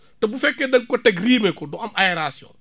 te bu fekkee da nga ko teg riime ko du am aération